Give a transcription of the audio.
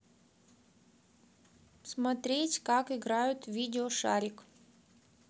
смотреть как играют видео шарик